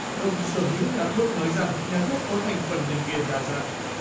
đồng sở hữu nhà thuốc nói rằng nhà thuốc có thành phần nhân viên đa dạng